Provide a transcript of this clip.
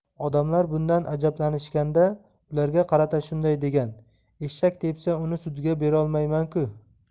odamlar bundan ajablanishganda ularga qarata shunday degan eshak tepsa uni sudga berolmayman ku